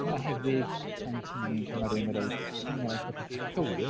Mae 'na hefyd fine tuning lle ma' rywun yn roid enghraifft o pethau cywir,